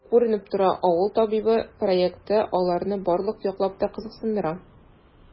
Күренеп тора,“Авыл табибы” проекты аларны барлык яклап та кызыксындыра.